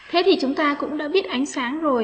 thế thì chúng ta cũng đã biết ánh sáng rồi